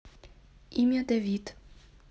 имя давид